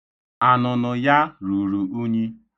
Anụnụ ya ruru unyi.